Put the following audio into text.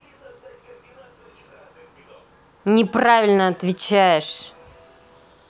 неправильно отвечаешь